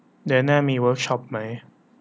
เดือนหน้ามีเวิคช็อปมั้ย